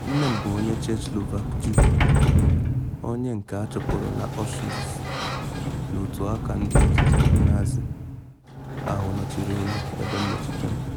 Nne m bụ onye Czechslovak Jew onye nke achụpụrụ na Auschwitz n’otu aka ndị ọchịchị Nazi ahụ nọchiri ụlọ ebe nnọchite m.